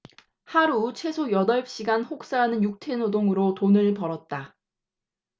하루 최소 여덟 시간 혹사하는 육체노동으로 돈을 벌었다